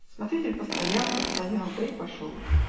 Смотритель постоял, постоял -- да и пошел.